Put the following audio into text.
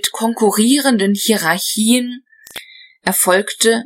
konkurrierenden Hierarchien erfolgte